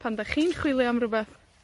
pan 'dach chi'n chwilio am rwbeth,